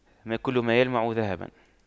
ما كل ما يلمع ذهباً